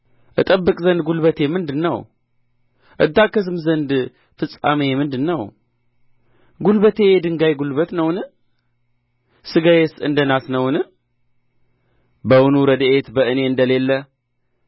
እጠብቅ ዘንድ ጕልበቴ ምንድር ነው እታገሥም ዘንድ ፍጻሜዬ ምንድር ነው ጕልበቴ የድንጋይ ጕልበት ነውን ሥጋዬስ እንደ ናስ ነውን በውኑ ረድኤት በእኔ እንደሌለ